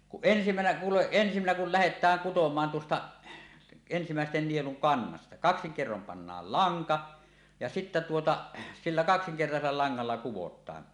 kun ensimmäisenä kuulee ensimmäinen kun lähdetään kutomaan tuosta ensimmäisten nielun kannasta kaksin kerroin pannaan lanka ja sitten tuota sillä kaksinkertaisella langalla kudotaan